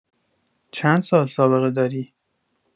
چند سال سابقه‌داری؟